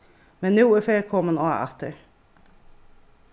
men nú er ferð komin á aftur